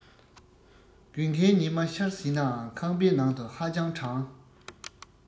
དགུན ཁའི ཉི མ ཤར ཟིན ནའང ཁང པའི ནང དུ ཧ ཅང གྲང